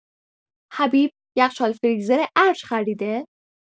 حبیب یخچال فریزر ارج خریده؟